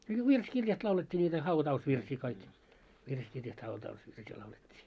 no virsikirjasta laulettiin niitä hautausvirsiä kaikki virsikirjasta hautausvirsiä laulettiin